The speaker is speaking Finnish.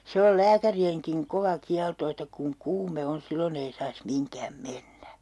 se on lääkärienkin kova kielto että kun kuume on silloin ei saisi mihinkään mennä